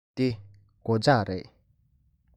འདི སྒོ ལྕགས རེད